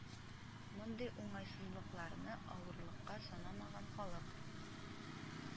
Мондый уңайсызлыкларны авырлыкка санамаган халык